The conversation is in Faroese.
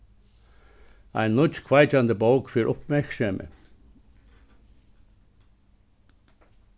ein nýggj kveikjandi bók fær uppmerksemi